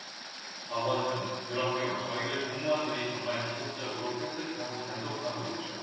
박원순 그럼요 저희들 공무원들이 정말 지속적으로 설득하고 단속하고 있죠